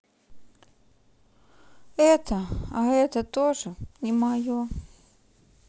это а это тоже не мое